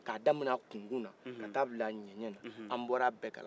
ka daminɛ a kunkunna ka ta bila a ɲɛɲɛla an bɔra bɛɛ kalama